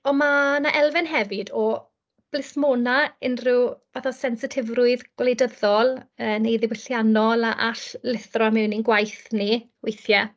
Ond ma' 'na elfen hefyd o blismona unrhyw fath o sensitifrwydd gwleidyddol yy neu ddiwylliannol a all lithro mewn i'n gwaith ni weithie.